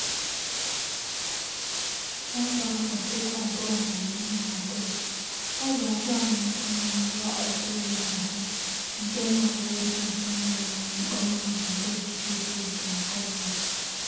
Ọ bụ afọ 2012, ọ bụ ajọ ọnọdụ na-awụ akpata oyi n'ahụ nke na ọ bụ sọọsọ nlereanya akparamagwa ndị ọchịchị ike ga-akọwa ya.